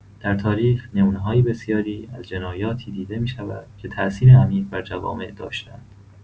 در تاریخ، نمونه‌های بسیاری از جنایاتی دیده می‌شود که تاثیری عمیق بر جوامع داشته‌اند.